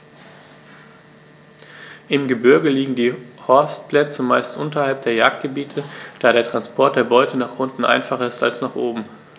Im Gebirge liegen die Horstplätze meist unterhalb der Jagdgebiete, da der Transport der Beute nach unten einfacher ist als nach oben.